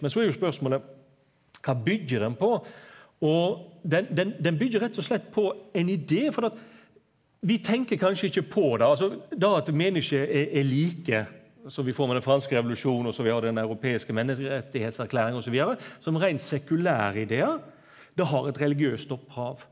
men så er jo spørsmålet kva byggjer den på og den den den byggjer rett og slett på ein idé fordi at vi tenker kanskje ikkje på det, altså det at menneskjer er er like altså i form av den franske revolusjon også vi har den europeiske menneskerettserklæringa osv. som reint sekulære idear, det har eit religiøst opphav.